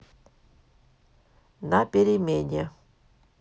на перемене